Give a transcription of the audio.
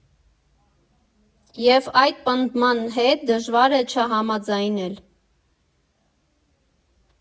ԵՒ այդ պնդման հետ դժվար է չհամաձայնել։